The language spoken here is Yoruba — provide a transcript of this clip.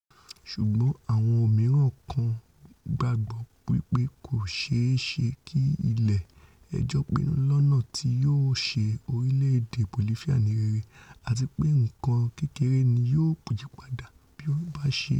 Ṣùgbọ́n àwọn ọ̀mọràn kan gbàgbọ́ wí pé kòṣeé ṣe kí ilé ẹjọ́ pinnu lọ́nà ti yóò ṣe orílẹ̀-èdè Bolifia ní rere - àtipé nǹkan kékeré ni yóò yípadà bí ó bá ṣée.